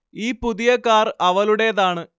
ഈ പുതിയ കാർ അവളുടെതാണ്